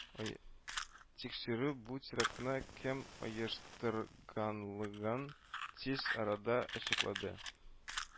Тикшерү бу терактны кем оештырганлыгын тиз арада ачыклады